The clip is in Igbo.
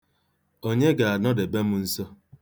Onye ga-anọdebe m nso?